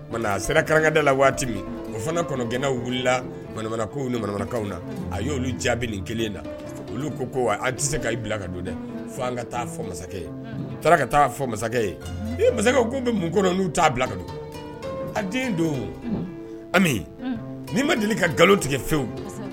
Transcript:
Nka a sera kada la waati min o fana kɔnɔgɛnna wulilakaw nikaww na a y'olu jaabi ni kelen na olu ko ko an tɛ se ka bila ka don dɛ fo an ka taa fɔ masakɛ ye taara ka taa fɔ masakɛ ye i masakɛ ko bɛ mun kɔnɔ n'u'a bila ka a den don ami ni ma deli ka nkalon tigɛ fɛnwu